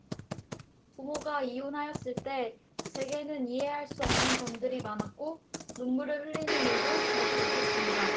부모가 이혼하였을 때 제게는 이해할 수 없는 점들이 많았고 눈물을 흘리는 일도 자주 있었습니다